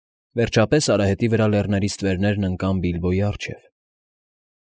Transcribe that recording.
Վերջապես արահետի վրա լեռների ստվերներն ընկան Բիլբոյի առջև։